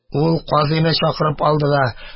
Ул казыйны чакырып алды да